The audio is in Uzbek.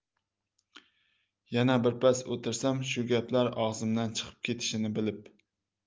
yana birpas o'tirsam shu gaplar og'zimdan chiqib ketishini bilib